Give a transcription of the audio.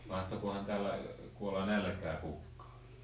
mahtoikohan täällä kuolla nälkään kukaan